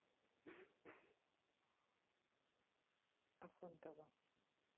афонтово